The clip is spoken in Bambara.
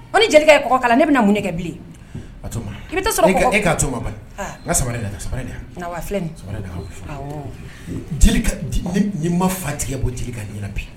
O ni jelikɛ ye kɔkala ne bɛna mun kɛ bi i bɛ ka to sabali sabali ma fa tigɛ bɔ jeli ka bi